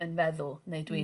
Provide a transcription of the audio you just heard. yn feddwl neu dwi'n...